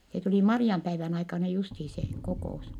se tuli Marianpäivän aikana justiin se kokous